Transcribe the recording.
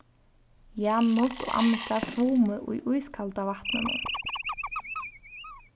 janus og annika svumu í ísakalda vatninum